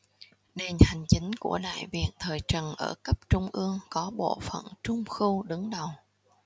nền hành chính của đại việt thời trần ở cấp trung ương có bộ phận trung khu đứng đầu